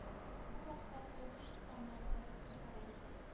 Бу хакта кайбыч таңнары газетасы хәбәр итә